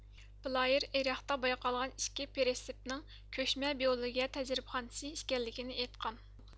بلايىر ئىراقتا بايقالغان ئىككى پرىتسېپنىڭ كۆچمە بىئولوگىيە تەجرىبىخانىسى ئىكەنلىكىنى ئېيتقان